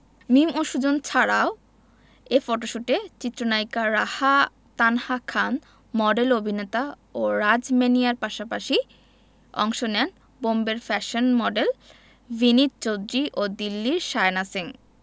মিম ও সুজন ছাড়াও ছাড়াও এ ফটোশ্যুটে চিত্রনায়িকা রাহা তানহা খান মডেল অভিনেতা ও রাজ ম্যানিয়ার পাশাপাশি অংশ নেন বোম্বের ফ্যাশন মডেল ভিনিত চৌধুরী ও দিল্লির শায়না সিং